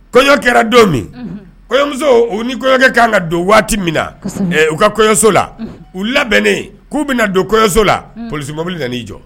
Kɔɲɔ kɛra don min kɔɲɔmuso u ni kɔɲɔkɛ ka' kan ka don waati min na u ka kɔso la u labɛnnen k'u bɛna na don kɔso la poliolibili nana'i jɔ